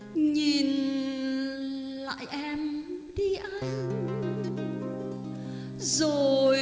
nhìn lại em đi anh rồi